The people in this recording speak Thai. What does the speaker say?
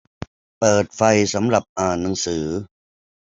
เปิดไฟสำหรับอ่านหนังสือ